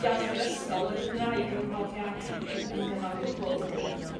iaith yr ysgol oedd y Gymraeg yn fy mhrofiad i yn gyfan gwbl do'dd